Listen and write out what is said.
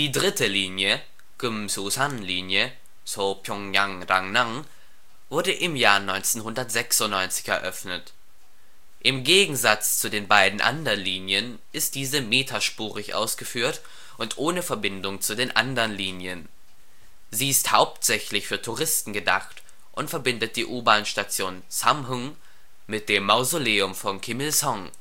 dritte Linie (Kŭmsusan-Linie, Sŏp'yŏngyang – Rangrang) wurde im Jahr 1996 eröffnet. Im Gegensatz zu den beiden anderen Linien ist diese meterspurig ausgeführt und ohne Verbindung zu den anderen Linien. Sie ist hauptsächlich für Touristen gedacht und verbindet die U-Bahn-Station Samhung mit dem Mausoleum von Kim Il Sung